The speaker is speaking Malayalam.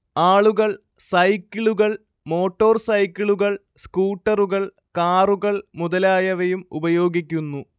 ആളുകൾ സൈക്കിളുകൾ മോട്ടോർ സൈക്കിളുകൾ സ്കൂട്ടറുകൾ കാറുകൾ മുതലായവയും ഉപയോഗിക്കുന്നു